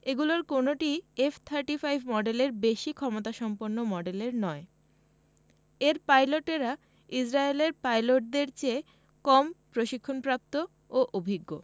এগুলোর কোনোটিই F thirty five মডেলের বেশি ক্ষমতাসম্পন্ন মডেলের নয় এর পাইলটেরা ইসরায়েলের পাইলটদের চেয়ে কম প্রশিক্ষণপ্রাপ্ত ও অভিজ্ঞ